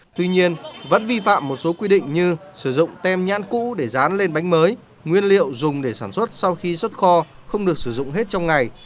tuy nhiên vẫn vi phạm một số quy định như sử dụng tem nhãn cũ để dán lên bánh mới nguyên liệu dùng để sản xuất sau khi xuất kho không được sử dụng hết trong ngày